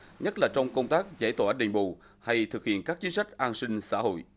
nhất là trong công tác giải tỏa đền bù hay thực hiện các chính sách an sinh xã hội